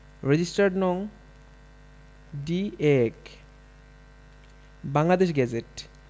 registered নং D A ১ Bangladesh gazette